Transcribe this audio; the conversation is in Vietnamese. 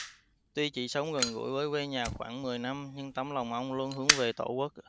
tuy chỉ sống gần gũi với quê nhà khoảng mười năm nhưng tấm lòng ông luôn hướng về tổ quốc